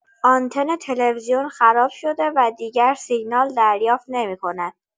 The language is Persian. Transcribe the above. آنتن تلویزیون خراب شده و دیگر سیگنال دریافت نمی‌کند.